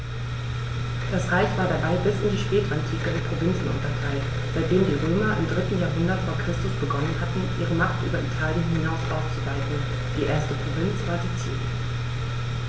Das Reich war dabei bis in die Spätantike in Provinzen unterteilt, seitdem die Römer im 3. Jahrhundert vor Christus begonnen hatten, ihre Macht über Italien hinaus auszuweiten (die erste Provinz war Sizilien).